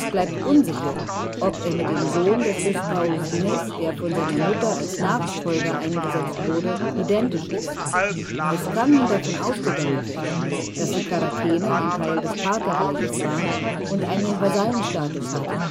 bleibt unsicher, ob er mit dem Sohn des Hyspaosines, der von seiner Mutter als Nachfolger eingesetzt wurde, identisch ist. Es kann nun davon ausgegangen werden, dass die Charakene ein Teil des Partherreiches war und einen Vasallenstatus hatte